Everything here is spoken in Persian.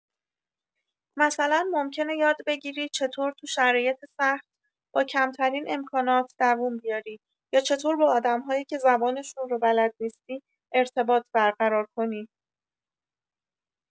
مثلا ممکنه یاد بگیری چطور تو شرایط سخت با کمترین امکانات دووم بیاری، یا چطور با آدم‌هایی که زبانشون رو بلد نیستی ارتباط برقرار کنی.